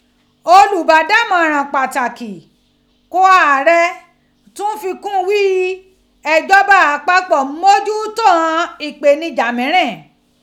Olùbádàmọ̀ràn pàtàkì ko ààrẹ tún fi kún ghii ìjọba àpapọ̀ ń mójú to ighan ìpèníjà miírin.